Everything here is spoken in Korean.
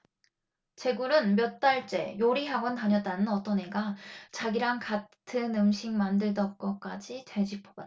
제굴은 몇 달째 요리 학원 다녔다는 어떤 애가 자기랑 같은 음식 만들던 것까지 되짚어봤다